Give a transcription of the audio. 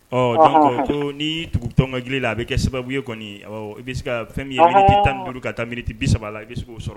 Den n'i tugu tɔn kaj la a bɛ kɛ sababu ye kɔni i bɛ se ka fɛn min yeti tan ni duuru ka taa miiriti bi saba la i bɛ se'o sɔrɔ